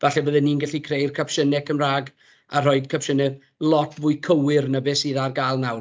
Falle bydde ni'n gallu creu'r capsiynau Cymraeg a rhoi capsiynau lot fwy cywir na beth sydd ar gael nawr.